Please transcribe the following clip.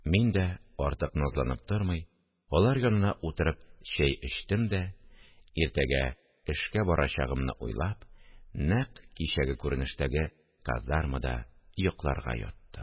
Мин дә, артык назланып тормый, алар янына утырып чәй эчтем дә, иртәгә эшкә барачагымны уйлап, нәкъ кичәге күренештәге казармада йокларга яттым